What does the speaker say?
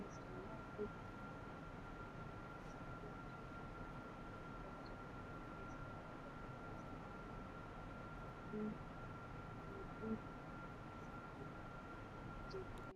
wax qorayo gabar waxay wadataa xijaab cad iyo shuko midow midda kalena xijaab cad ah iyo shuko midooday